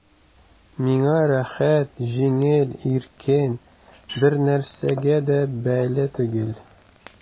Миңа рәхәт, җиңел, иркен, бернәрсәгә дә бәйле түгел...